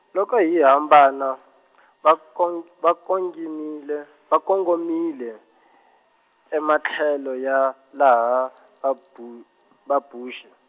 loko hi hambana , va kong-, va kongomile va kongomile , ematlhelo ya laha vaBu- , vaBuxi.